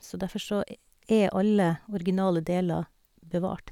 Så derfor så e er alle originale deler bevart.